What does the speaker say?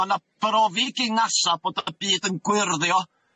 Ma' 'na brofi dianasa bod y byd yn gwyrddio